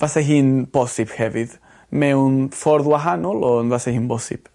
Fasa hi'n bosib hefyd mewn ffordd wahanol on' fasa hi'n bosib.